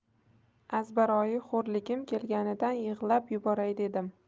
azbaroyi xo'rligim kelganidan yig'lab yuboray derdim